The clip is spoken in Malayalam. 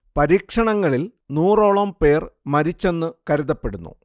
പരീക്ഷണങ്ങളിൽ നൂറോളം പേർ മരിച്ചെന്ന് കരുതപ്പെടുന്നു